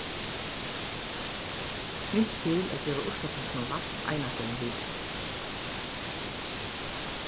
minst til at geva urtapottinum vatn einaferð um vikuna